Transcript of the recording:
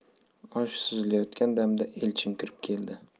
osh suzilayotgan damda elchin kirib keldi